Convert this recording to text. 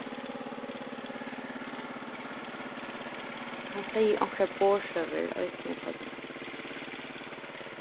hann segði onkrar borðsøgur eisini seinni